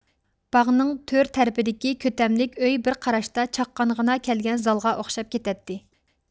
باغنىڭ تۆر تەرىپىدىكى كۆتەملىك ئۆي بىر قاراشتا چاققانغىنا كەلگەن زالغا ئوخشاپ كېتەتتى